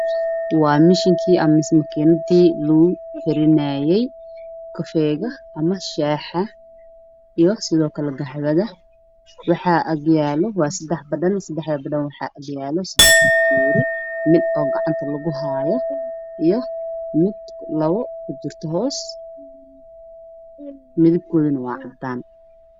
Waa mashiin kii amo makinadii shaha lagu karinaayay shaha waxaa ag yaalo labo madan mid midab kiisu waa buluug Midna midab kiisu waa madow